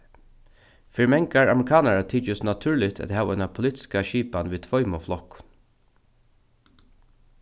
fyri mangar amerikanarar tykist natúrligt at hava eina politiska skipan við tveimum flokkum